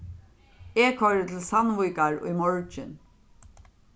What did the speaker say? eg koyri til sandvíkar í morgin